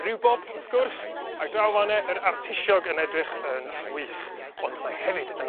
riwbob wrth gwrs a draw fan 'na yr artisiog yn edrych yn wych ond mae hefyd yn